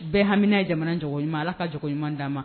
Bɛɛ hamina ye jamana jɔko ɲuman Ala k'a jɔko ɲuman d'a ma